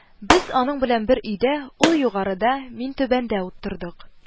Без аның белән бер өйдә: ул югарыда, мин түбәндә тордык